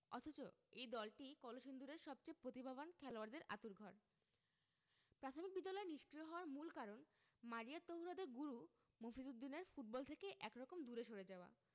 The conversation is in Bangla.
অথচ এই দলটিই কলসিন্দুরের সবচেয়ে প্রতিভাবান খেলোয়াড়দের আঁতুড়ঘর প্রাথমিক বিদ্যালয় নিষ্ক্রিয় হওয়ার মূল কারণ মারিয়া তহুরাদের গুরু মফিজ উদ্দিনের ফুটবল থেকে একরকম দূরে সরে যাওয়া